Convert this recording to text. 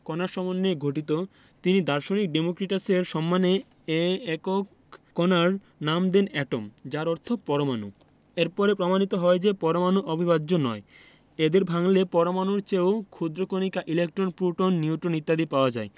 কণার সমন্বয়ে গঠিত তিনি দার্শনিক ডেমোক্রিটাসের সম্মানে এ একক কণার নাম দেন এটম যার অর্থ পরমাণু এর পরে প্রমাণিত হয় যে পরমাণু অবিভাজ্য নয় এদের ভাঙলে পরমাণুর চেয়েও ক্ষুদ্র কণিকা ইলেকট্রন প্রোটন নিউট্রন ইত্যাদি পাওয়া যায়